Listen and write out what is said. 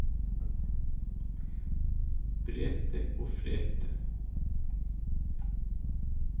breti og freti